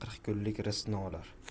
qirq kunlik rizqni olar